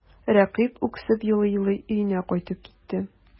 Рәкыйп үксеп елый-елый өенә кайтып китте.